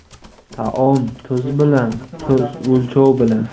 taom tuz bilan tuz o'lchov bilan